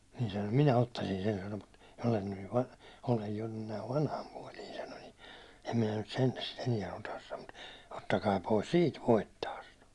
niin se sanoi minä ottaisin sen sanoi mutta olen nyt jo - olen jo nyt näin vanhan puoli sanoi niin en minä nyt sentään sitä enää ota sanoi mutta ottakaa pois siitä voittaa sanoi